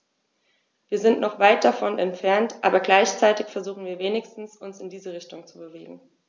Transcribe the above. Wir sind noch weit davon entfernt, aber gleichzeitig versuchen wir wenigstens, uns in diese Richtung zu bewegen.